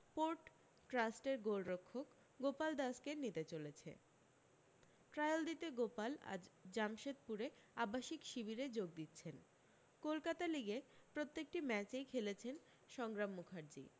port ট্রাস্টের গোলরক্ষক গোপাল দাসকে নিতে চলেছে ট্রায়াল দিতে গোপাল আজ জামশেদপুরে আবাসিক শিবিরে যোগ দিচ্ছেন কলকাতা লিগে প্রত্যেকটি ম্যাচেই খেলেছেন সংগ্রাম মুখার্জি